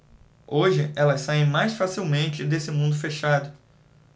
hoje elas saem mais facilmente desse mundo fechado